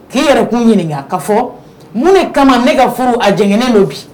K'i yɛrɛ kun ɲininka ka fɔɔ mun de kama ne ka furu a jɛŋɛnen do bi